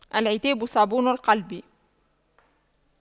العتاب صابون القلب